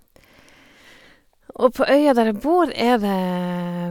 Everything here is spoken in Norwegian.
Og på øya der jeg bor er det...